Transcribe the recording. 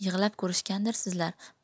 yig'lab ko'rishgandirsizlar